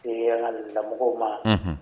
N' lamɔmɔgɔw ma